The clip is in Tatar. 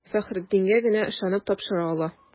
Фәхреддингә генә ышанып тапшыра ала.